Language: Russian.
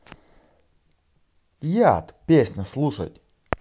яд песня слушать